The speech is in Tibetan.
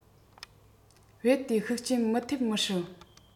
རྦད དེ ཤུགས རྐྱེན མི ཐེབས མི སྲིད